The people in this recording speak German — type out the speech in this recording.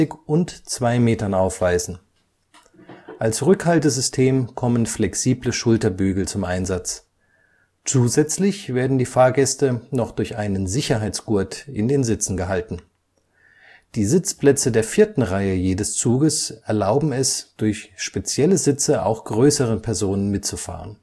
und 2 Meter aufweisen. Als Rückhaltesystem kommen flexible Schulterbügel zum Einsatz. Zusätzlich werden die Fahrgäste noch durch einen Sicherheitsgurt in den Sitzen gehalten. Die Sitzplätze der vierten Reihe jedes Zuges erlauben es durch spezielle Sitze auch größeren Personen mitzufahren